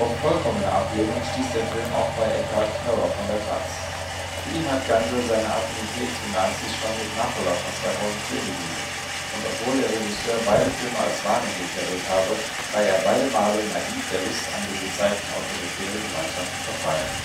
vollkommene Ablehnung stieß der Film auch bei Ekkehard Knörrer von der taz. Für ihn hat Gansel seine Affinität zu Nazis schon mit Napola (2004) bewiesen, und obwohl der Regisseur beide Filme als Warnung deklariert habe, sei er beide Male naiv der Lust an den gezeigten autoritären Gemeinschaften verfallen